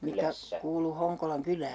mikä kuului Honkolan kylään